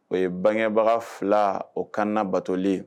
O ye bangebaga fila o kana batolen